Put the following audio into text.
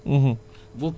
trente six mille franc la